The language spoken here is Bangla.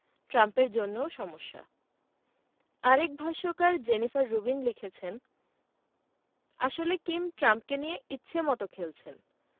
ট্রাম্পের জন্যও সমস্যা আরেক ভাষ্যকার জেনিফার রুবিন লিখেছেন আসলে কিম ট্রাম্পকে নিয়ে ইচ্ছেমতো খেলছেন